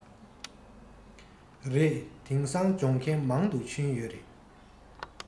རེད དེང སང སྦྱོང མཁན མང དུ ཕྱིན ཡོད རེད